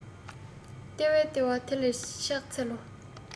ལྟེ བའི ལྟེ བ དེ ལ ཕྱག འཚལ ལོ